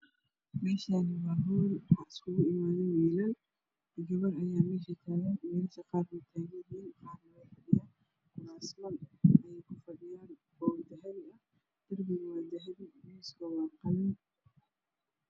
Meeshaan waa hool waxaa iskugu imaaday wiilal iyo gabar meesha taagan. Wiilasha qaar way taagan yihiin qaarna way fadhiyaan. Kuraasman ayay kufadhiyaan oo dahabi ah darbiga waa dahabi, miiskuna waa qalin.